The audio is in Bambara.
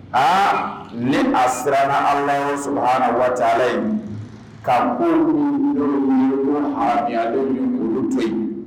Aa ni a siran na Alahu subahana watala ɲɛ. ka kow haramuyalen ye ka olu to yen.